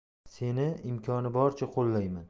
seni imkoni boricha qo'llayman